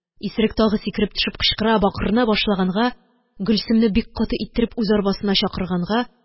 Исерек тагы сикереп төшеп кычкыра, бакырына башлаганга, Гөлсемне бик каты иттереп үз арбасына чакырганга